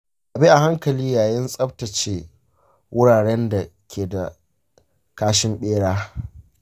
kabi a hankali yayin tsaftace wuraren da keda kashin bera.